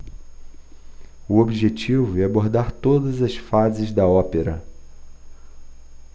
o objetivo é abordar todas as fases da ópera